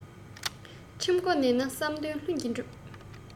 ཁྲིམས འགོ ནོན ན བསམ དོན ལྷུན གྱིས འགྲུབ